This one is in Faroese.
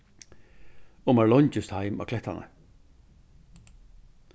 og mær leingist heim á klettarnar